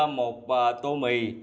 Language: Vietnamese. một ờ tô mì